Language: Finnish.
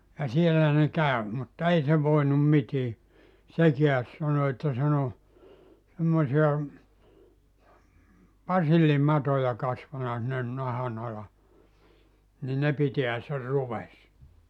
ja siellä ne kävi mutta ei se voinut mitään sekään sanoi että sen on semmoisia basillimatoja kasvanut sinne nahan alle niin ne pitää sen ruvessa